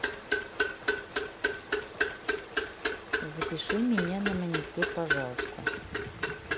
запиши меня на маникюр пожалуйста